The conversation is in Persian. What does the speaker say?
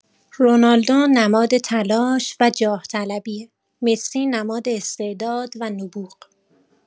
رونالدو نماد تلاش و جاه‌طلبیه، مسی نماد استعداد و نبوغ.